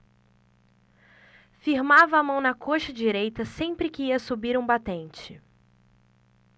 firmava a mão na coxa direita sempre que ia subir um batente